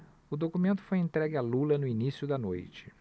o documento foi entregue a lula no início da noite